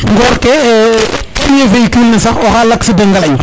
ngor ke we vehicule ne sax oway l' axe de Ngalagne